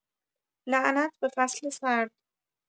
لعنت به فصل سرد